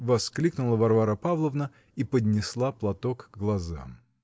-- воскликнула Варвара Павловна и поднесла платок к глазам.